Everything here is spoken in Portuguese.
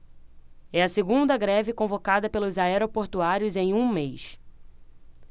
é a segunda greve convocada pelos aeroportuários em um mês